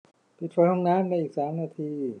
ปิดไฟห้องน้ำในอีกสามนาที